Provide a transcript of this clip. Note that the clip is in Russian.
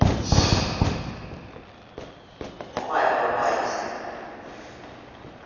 давай поругаемся